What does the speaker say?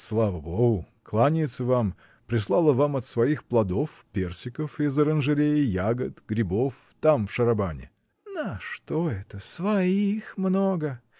— Слава Богу, кланяется вам — прислала вам от своих плодов: персиков из оранжереи, ягод, грибов — там в шарабане. — На что это? Своих много!